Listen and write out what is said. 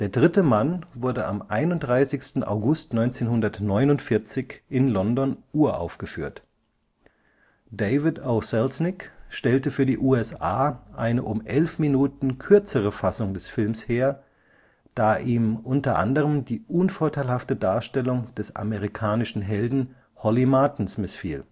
dritte Mann wurde am 31. August 1949 in London uraufgeführt. David O. Selznick stellte für die USA eine um elf Minuten kürzere Fassung des Films her, da ihm unter anderem die unvorteilhafte Darstellung des amerikanischen Helden Holly Martins missfiel